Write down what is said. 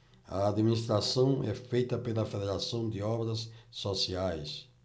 a administração é feita pela fos federação de obras sociais